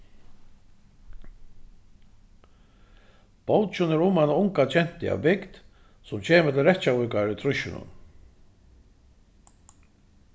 bókin er um eina unga gentu av bygd sum kemur til reykjavíkar í trýssunum